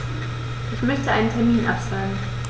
Ich möchte einen Termin absagen.